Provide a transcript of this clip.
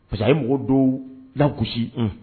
Fasa ye mɔgɔ don la gosisi h